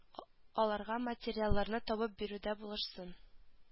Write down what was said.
Аларга материалларны табып бирүдә булышсын